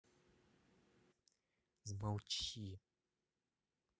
замолчи